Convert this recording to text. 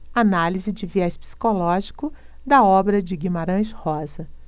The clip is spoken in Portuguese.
análise de viés psicológico da obra de guimarães rosa